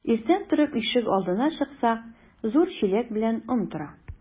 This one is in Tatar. Иртән торып ишек алдына чыксак, зур чиләк белән он тора.